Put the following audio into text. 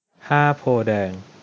ห้าโพธิ์แดง